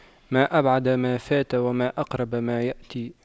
ما أبعد ما فات وما أقرب ما يأتي